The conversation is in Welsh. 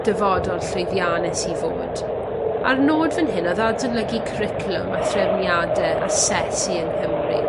Dyfodol Llwyddiannus i fod a'r nod fyn hyn o'dd adolygu cwricwlwm a threfniadau asesu yng Nghymru.